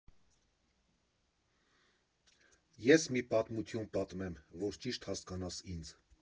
Ես մի պատմություն պատմեմ, որ ճիշտ հասկանաս ինձ։